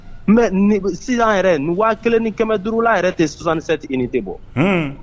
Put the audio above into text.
Mɛ ni sisan yɛrɛ nin waa kelen ni kɛmɛ duurula yɛrɛ tɛ sisansansɛti ni tɛ bɔ